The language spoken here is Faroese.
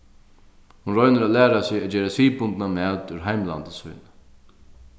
hon roynir at læra seg at gera siðbundnan mat úr heimlandi sínum